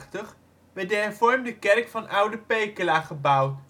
de Hervormde kerk van Oude Pekela gebouwd